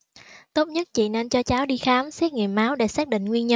tốt nhất chị nên cho cháu đi khám xét nghiệm máu để xác định nguyên nhân